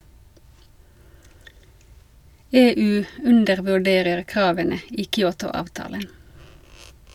- EU undervurderer kravene i Kyoto-avtalen.